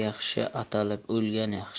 yaxshi atalib o'lgan yaxshi